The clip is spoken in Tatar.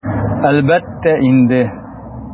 Әлбәттә инде!